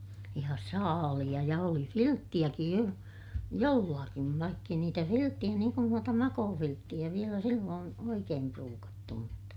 ja saaleja ja oli vilttejäkin jo jollakin vaikka ei niitä vilttejä niin kuin noita makuuvilttejä vielä silloin oikein pruukattu mutta